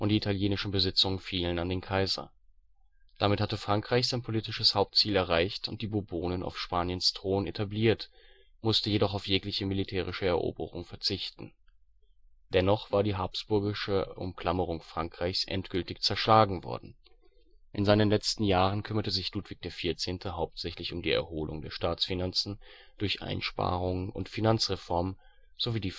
italienischen Besitzungen fielen an den Kaiser. Damit hatte Frankreich sein politisches Hauptziel erreicht und die Bourbonen auf Spaniens Thron etabliert, musste jedoch auf jegliche militärische Eroberung verzichten. Dennoch war die habsburgische Umklammerung Frankreichs endgültig zerschlagen worden. In seinen letzten Jahren kümmerte sich Ludwig XIV. hauptsächlich um die Erholung der Staatsfinanzen durch Einsparungen und Finanzreformen, sowie die